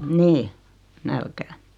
niin nälkään